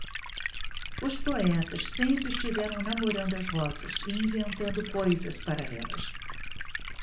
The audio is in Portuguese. os poetas sempre estiveram namorando as rosas e inventando coisas para elas